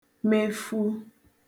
mefu